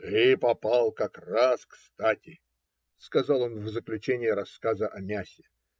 - Ты попал как раз кстати, - сказал он в заключение рассказа о мясе.